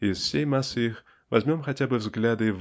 Из всей массы их возьмем хотя бы взгляды